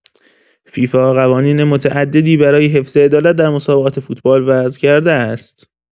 فیفا قوانین متعددی برای حفظ عدالت در مسابقات فوتبال وضع کرده است.